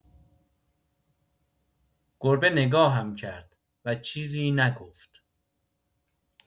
گربه نگاهم کرد و چیزی نگفت.